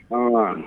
Hɔn